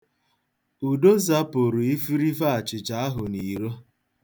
Udo zapụrụ ifirife achịcha ahụ n'iro.